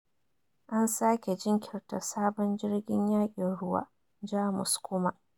An sake jinkirta sabon jirgin yakin ruwa Jamus kuma